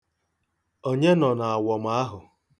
Onye nọ n'awọm ahụ?